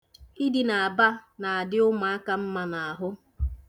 Idina aba na-adị ụmụaka mma n'ahụ.